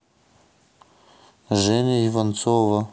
женя иванцова